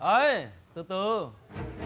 ấy từ từ